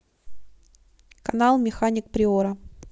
канал механик приора